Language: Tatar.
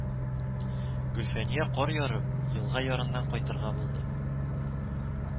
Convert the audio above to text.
Гөлфәния кар ярып, елга ярыннан кайтырга булды